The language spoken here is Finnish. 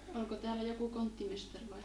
oliko täällä joku konttimestari vai